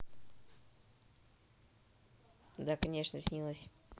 да конечно снилось